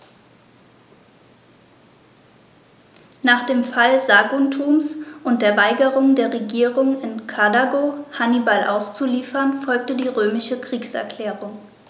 Nach dem Fall Saguntums und der Weigerung der Regierung in Karthago, Hannibal auszuliefern, folgte die römische Kriegserklärung.